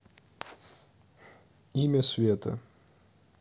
имя света